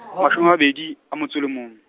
mashome a mabedi, a motso o le mong.